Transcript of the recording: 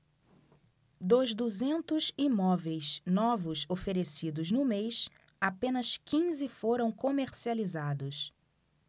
dos duzentos imóveis novos oferecidos no mês apenas quinze foram comercializados